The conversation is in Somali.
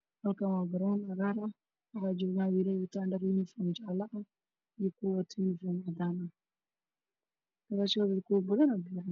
Halkaan waxaa ka muuqdo wiilal ciyaartooy ah kuwo waxay qaan fanaanado jaalo iyo buumo midna wuxuu ka fanaanad cadaan